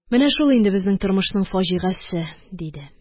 Менә шул инде безнең тормышның фаҗигасе, – диде.